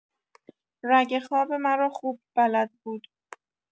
رگ خواب مرا خوب بلد بود